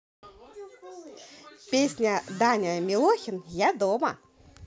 песня даня милохин я дома